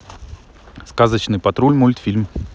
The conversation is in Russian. сказочный патруль мультфильм